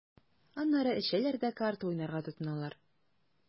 Аннары эчәләр дә карта уйнарга тотыналар.